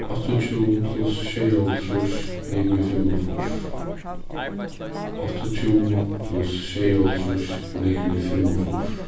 áttaogtjúgu pluss sjeyoghálvtrýss ligvið fimmogfýrs áttaogtjúgu pluss sjeyoghálvtrýss ligvið fimmogfýrs